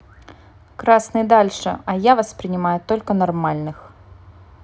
красный дальше а я воспринимаю только нормальных